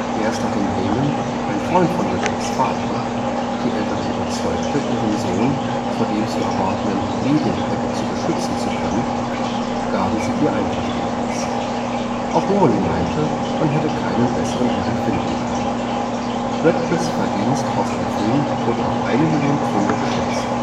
Erst nachdem Heyman, ein Freund von Radcliffes Vater, die Eltern überzeugte, ihren Sohn vor dem zu erwartenden Medienhype beschützen zu können, gaben sie ihr Einverständnis. Auch Rowling meinte, man hätte keinen besseren Harry finden können. Radcliffes Verdienst aus dem Film wird auf eine Million Pfund geschätzt